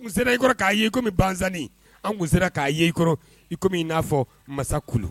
N'i sera i kɔrɔ k'a ye i comme an tun sera k'a ye i kɔrɔ i comme i n'a fɔ masa